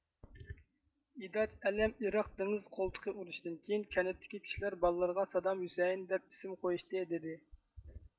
ئىداج ئەلەم ئىراق دېڭىز قولتۇقى ئۇرۇىشىدىن كىيىن كەنىتتىكى كىشىلەر بالىلىرىغا سادام ھۈسەيىن دەپ ئىسىم قويۇشتى دىدى